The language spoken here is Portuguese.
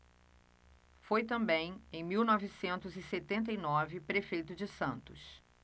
foi também em mil novecentos e setenta e nove prefeito de santos